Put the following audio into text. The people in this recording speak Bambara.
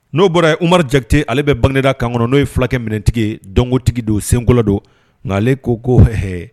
N'o bɔra ye Umaru Jakite ale bɛ Bagineda camp kɔnɔ n'o ye fulakɛ minɛtigi ye donkotigi do senkola do nka ale ko ko hɛ.